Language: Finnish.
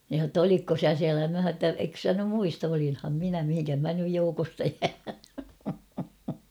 niin sanoi jotta olitko sinä siellä minä sanoin jotta etkö sinä nyt muista olinhan minä mihinkäs minä nyt joukosta jään